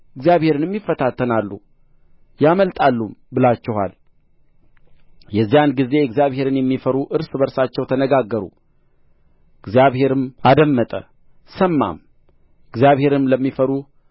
እግዚአብሔርንም ይፈታተናሉ ያመልጣሉም ብላችኋል የዚያን ጊዜ እግዚአብሔርን የሚፈሩ እርስ በእርሳቸው ተነጋገሩ እግዚአብሔርም አደመጠ ሰማም እግዚአብሔርንም ለሚፈሩ